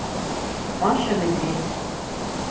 маша медведь